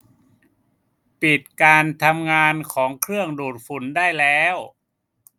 ปิดการทำงานของเครื่องดูดฝุ่นได้แล้ว